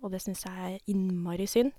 Og det syns jeg er innmari synd.